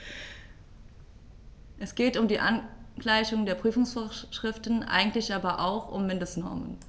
Es geht um die Angleichung der Prüfungsvorschriften, eigentlich aber auch um Mindestnormen.